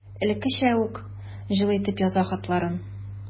Элеккечә үк җылы итеп яза хатларын.